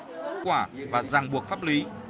quả và ràng buộc pháp lý